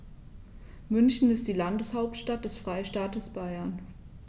München ist die Landeshauptstadt des Freistaates Bayern.